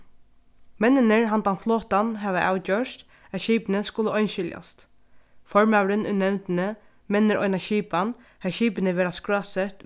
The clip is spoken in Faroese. menninir handan flotan hava avgjørt at skipini skulu einskiljast formaðurin í nevndini mennir eina skipan har skipini verða skrásett